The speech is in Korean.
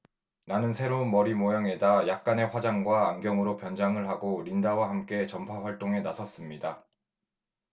나는 새로운 머리 모양에다 약간의 화장과 안경으로 변장을 하고 린다와 함께 전파 활동에 나섰습니다